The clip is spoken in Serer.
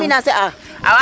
ka financer